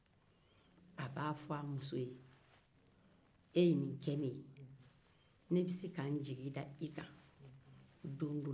a b'a fɔ a muso ye e ye nin kɛ ne ye ne be se ka jigi da e kan don dɔ la